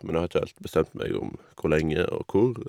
Men jeg har ikke heilt bestemt meg om hvor lenge og hvor.